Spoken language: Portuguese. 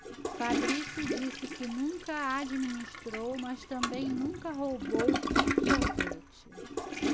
fabrício disse que nunca administrou mas também nunca roubou um sorvete